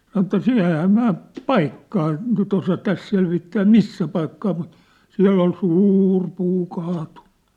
sanoi että - enhän minä paikkaa nyt osaa tässä selvittää missä paikkaa mutta siellä oli suuri puu kaatunut